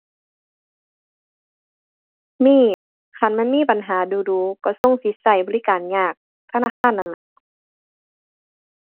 มี คันมันมีปัญหาดู๋ดู๋ก็ทรงสิใช้บริการยาก ธนาคารนั้นล่ะ